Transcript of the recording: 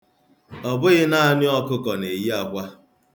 Ọ bụghị naanị ọkụkọ na-eyi akwa.